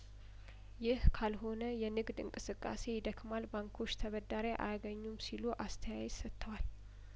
ይህ ካልሆነ የንግድ እንቅስቃሴ ይደክማል ባንኮችም ተበዳሪ አያገኙም ሲሉ አስተያየት ሰጥተዋል